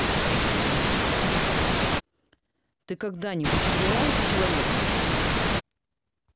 ты когда нибудь убиваешь человека